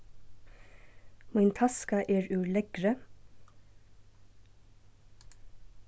mín taska er úr leðri